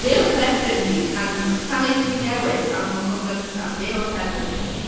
Fe oedd ffefryn fi pan pan wnaethon ni... we- ...ddewis ar y noson gyntaf. Fe oedd ffefryn fi.